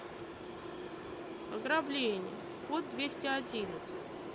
ограбление код двести одиннадцать